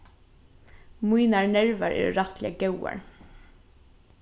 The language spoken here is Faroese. mínar nervar eru rættiliga góðar